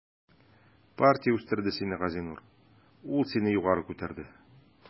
Партия үстерде сине, Газинур, ул сине югары күтәрде.